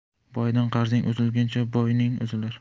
boydan qarzing uzilguncha bo'yning uzilar